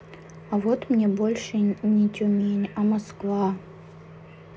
а вот мне больше не тюмень и москва